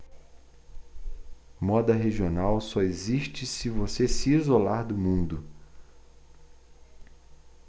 moda regional só existe se você se isolar do mundo